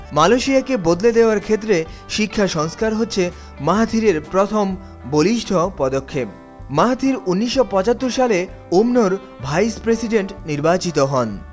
মালয়েশিয়াকে বদলে দেয়ার ক্ষেত্রে শিক্ষা সংস্কার হচ্ছে মাহাথিরের প্রথম বলিষ্ঠ পদক্ষেপ মাহাথির ১৯৭৫ সালে অমনর ভাইস প্রেসিডেন্ট নির্বাচিত হন